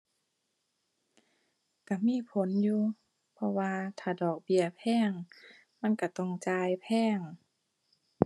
ก็มีผลอยู่ เพราะว่าถ้าดอกเบี้ยแพงมันก็ต้องจ่ายแพง